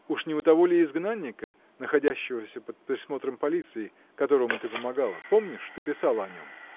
— Уж не у того ли изгнанника, находящегося под присмотром полиции, которому ты помогала? Помнишь, ты писала о нем?.